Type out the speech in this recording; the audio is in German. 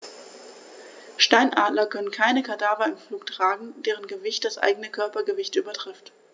Steinadler können keine Kadaver im Flug tragen, deren Gewicht das eigene Körpergewicht übertrifft.